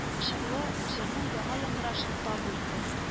Чыгуы җырның яңа яңгырашын табу иде